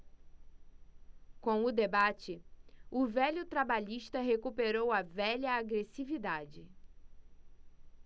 com o debate o velho trabalhista recuperou a velha agressividade